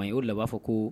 A y'o laban b'a fɔ ko